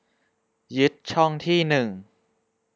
ยึดช่องที่หนึ่ง